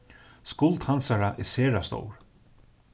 skuld hansara er sera stór